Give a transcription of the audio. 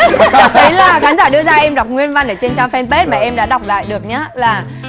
đấy là khán giả đưa ra em đọc nguyên văn ở trên trang phên pết mà em đã đọc lại được nhá là